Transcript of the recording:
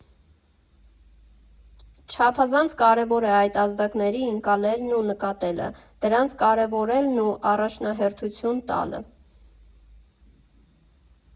Չափազանց կարևոր է այդ ազդակների ընկալելն ու նկատելը, դրանց կարևորելն ու առաջնահերթություն տալը։